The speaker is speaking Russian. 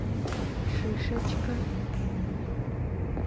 шишочка